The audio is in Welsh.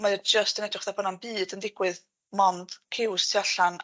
mae o jyst yn edrych 'tha bo' 'na'm byd yn digwydd mond ciws tu allan